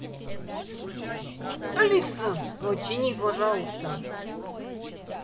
алиса почини пожалуйста